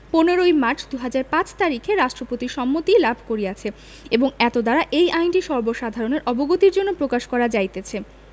১৫ই মার্চ ২০০৫ তারিখে রাষ্ট্রপতির সম্মতি লাভ করিয়াছে এবং এতদ্বারা এই আইনটি সর্বসাধারণের অবগতির জন্য প্রকাশ করা যাইতেছে